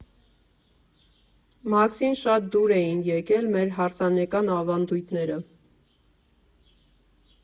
Մաքսին շատ դուր էին եկել մեր հարսանեկան ավանդույթները։